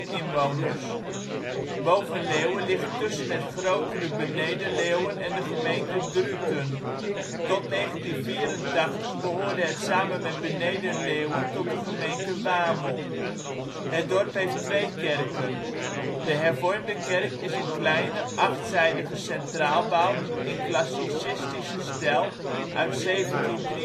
inwoners. Boven-Leeuwen ligt tussen het grotere Beneden-Leeuwen en de gemeente Druten. Tot 1984 behoorde het samen met Beneden-Leeuwen tot de gemeente Wamel. Het dorp heeft twee kerken. De hervormde kerk is een kleine achtzijdige centraalbouw in classicistische stijl uit 1753-1756